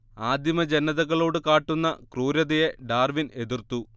ആദിമജനതകളോടു കാട്ടുന്ന ക്രൂരതയെ ഡാർവിൻ എതിർത്തു